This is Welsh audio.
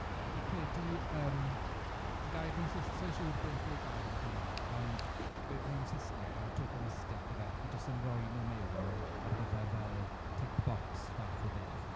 Ie fi'n credu yym y gair mewn Saes- sa i'n siwr beth yw'r gair yn Cymraeg, ond fe- mewn Saesneg fel tokenistic ife chi jyst yn rhoi nhw mewn ar gyfer tick box fath o beth.